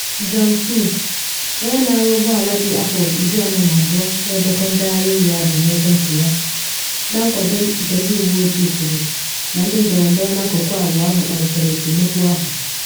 Joan Puig, onye na arụ ụgbọ ala dị afọ 42 na edekọ ngagharị iwe ahụ n’ekwentị ya na nkwado nke ndị uwe ojii, kwuru na ndị ndọrọndọrọ n’akụkụ abụọ ahụ kpalitere esemokwu ahụ.